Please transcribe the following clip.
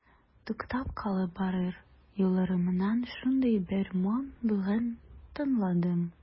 Туктап калып барыр юлларымнан шундый бер моң бүген тыңладым.